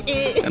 i